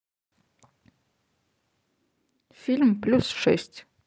фильм плюс шесть